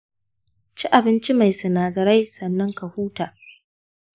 ci abinci mai sinadarai sannan ka hutu